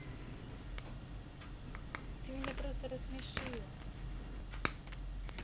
ты меня просто рассмешила